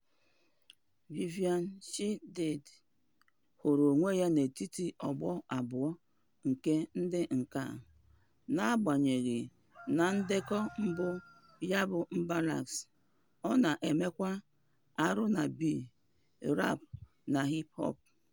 Viviane Chidid hụrụ onwe ya n'etiti ọgbọ abụọ nke ndị nka: n'agbanyeghị na ndekọ mbụ ya bụ Mbalax, ọ na-emekwa R&B, rap na hip hop.